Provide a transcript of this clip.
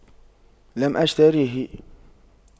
لم أشتريه